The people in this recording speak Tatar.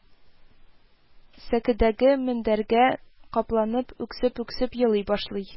Сәкедәге мендәргә капланып үксеп-үксеп елый башлый